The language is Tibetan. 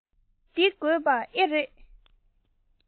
འདི དགོས པ ཨེ རེད